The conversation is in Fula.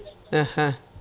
ahan